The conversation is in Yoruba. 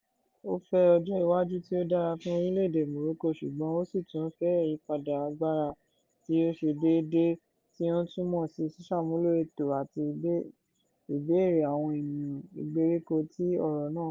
Ó fẹ́ ọjọ́ iwájú tí ó dára fún orílẹ̀ èdè Morocco, ṣùgbọ́n ó ṣì tún fẹ́ ìyípadà agbára tí ó ṣe déédéé, tí ó ń túmọ̀ sí sísàmúlò ẹ̀tọ́ àti ìbéèrè àwọn ènìyàn ìgbèríko tí ọ̀rọ̀ náà kàn.